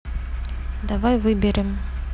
давай выберем